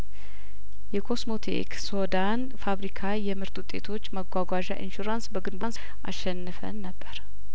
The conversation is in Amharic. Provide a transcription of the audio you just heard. የኮስሞቲክ ሶዳን ፋብሪካ የምርት ውጤቶች መጓጓዣ ኢንሹራንስ በግንቦት አሸንፈን ነበር